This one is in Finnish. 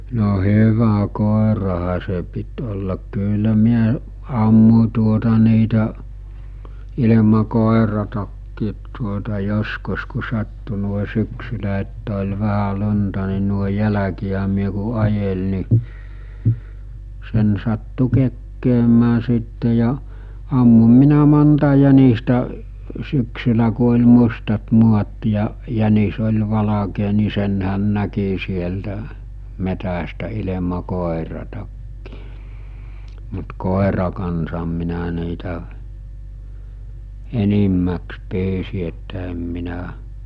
no hyvä koirahan se piti olla kyllä minä ammuin tuota niitä ilman koirattakin tuota joskus kun sattui noin syksyllä että oli vähän lunta niin noin jälkiä myöten kun ajeli niin sen sattui kekkäämään sitten ja ammun minä monta jänistä syksyllä kun oli mustat maat ja jänis oli valkea niin senhän näki sieltä metsästä ilman koiraakin mutta koiran kanssa minä niitä enimmäkseen pyysin että en minä